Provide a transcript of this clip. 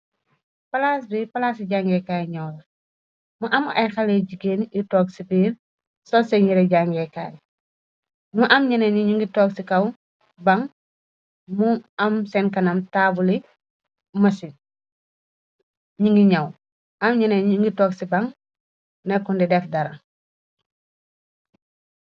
Palaas bi palaas ci jangeekaay ñaw la mu am ay haley jigéen yu toog ci biir so senn yiré jangeekaay. Mu am ñene yi ñu ngi toog ci kaw baŋ, mu am senn kanam taabuli mësin ñu ngi ñaw. Am ñene ñu ngi tog ci baŋ nekkun di def dara.